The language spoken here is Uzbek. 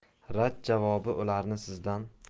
rad javobi ularni sizdan